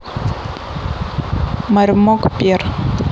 marmok пер